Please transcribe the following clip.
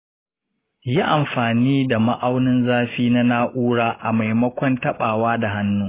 yi amfani da ma'aunin zafi na na'ura a maimakon taɓawa da hannu.